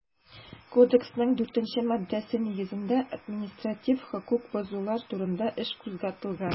Кодексның 4 нче маддәсе нигезендә административ хокук бозулар турында эш кузгатылган.